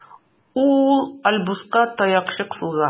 Ул Альбуска таякчык суза.